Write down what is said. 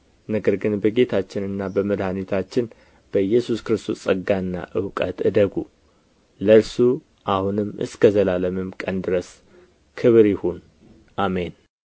ነገር ግን በጌታችንና በመድኃኒታችን በኢየሱስ ክርስቶስ ጸጋና እውቀት እደጉ ለእርሱ አሁንም እስከ ዘላለምም ቀን ድረስ ክብር ይሁን አሜን